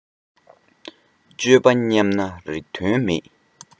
སྤྱོད པ ཉམས ན རིགས དོན མེད